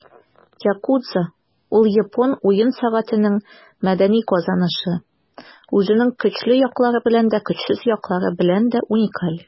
Yakuza - ул япон уен сәнәгатенең мәдәни казанышы, үзенең көчле яклары белән дә, көчсез яклары белән дә уникаль.